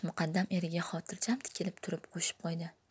muqaddam eriga xotirjam tikilib turib qo'shib qo'ydi